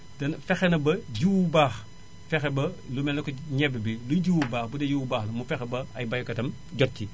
te fexe na ba jiwu baax fexe ba lu mel ne que ñebe bi même jiwu baax bu dee jiwu baax bi mu fexe ba ay baykatam jot ci